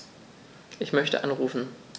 Ich möchte anrufen.